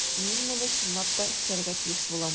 Мин моны чынлап та эшләргә тиеш булам.